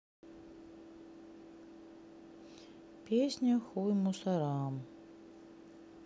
песня хуй мусорам